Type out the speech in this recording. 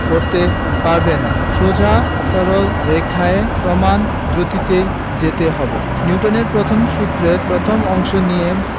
করতে পারবে না সোজা সরল রেখায় সমান দ্রুতিতে যেতে হবে নিউটনের প্রথম সূত্রের প্রথম অংশ নিয়ে